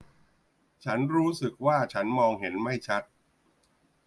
ฉันรู้สึกว่าฉันมองเห็นไม่ชัด